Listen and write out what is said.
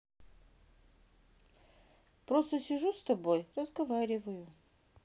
просто сижу с тобой разговариваю